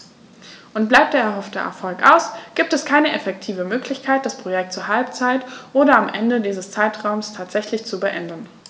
Und bleibt der erhoffte Erfolg aus, gibt es keine effektive Möglichkeit, das Projekt zur Halbzeit oder am Ende dieses Zeitraums tatsächlich zu beenden.